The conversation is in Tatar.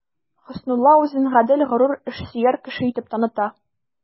Хөснулла үзен гадел, горур, эшсөяр кеше итеп таныта.